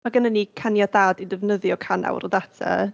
Ma' gynna ni caniatâd i ddefnyddio cant awr o ddata.